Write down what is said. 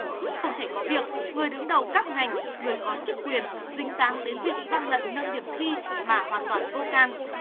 không thể có việc người đứng đầu các ngành người có chức quyền dính dáng đến việc gian lận nâng điểm thi mà hoàn toàn vô can